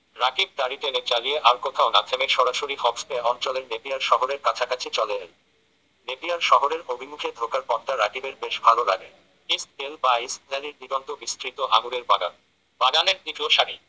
রাকিব গাড়ি টেনে চালিয়ে আর কোথাও না থেমে সরাসরি হকস বে অঞ্চলের নেপিয়ার শহরের কাছাকাছি চলে এল নেপিয়ার শহরের অভিমুখে ঢোকার পথটা রাকিবের বেশ ভালো লাগে ইসক ডেল বা ইসক ভ্যালির দিগন্ত বিস্তৃত আঙুরের বাগান বাগানের দিঘল সারি